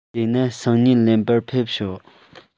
དེ ན སང ཉིན ལེན པར ཕེབས ཤོག